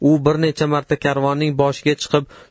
u bir necha marta karvonning boshiga chiqib